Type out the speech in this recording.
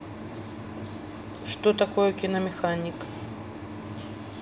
что такое киномеханик